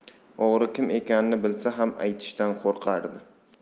o'g'ri kim ekanini bilsa ham aytishdan qo'rqardi